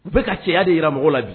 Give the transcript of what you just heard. U bɛ ka caya de jira mɔgɔ la bi